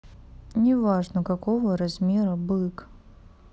неважно какого размера бык